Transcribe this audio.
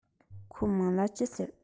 ཁོའི མིང ལ ཅི ཟེར